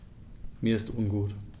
Mir ist ungut.